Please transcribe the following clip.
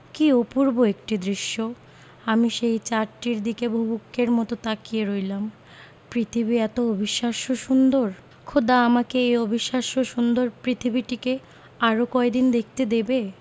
কী অপূর্ব একটি দৃশ্য আমি সেই চাঁদটির দিকে বুভুক্ষের মতো তাকিয়ে রইলাম পৃথিবী এতো অবিশ্বাস্য সুন্দর খোদা আমাকে এই অবিশ্বাস্য সুন্দর পৃথিবীটিকে আরো কয়দিন দেখতে দেবে